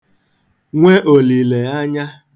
nwe òlìlèanya